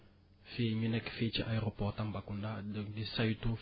fii ñu nekk fii ci aéroport Tambacounda di saytu